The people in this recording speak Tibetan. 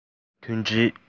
མཐུན སྒྲིལ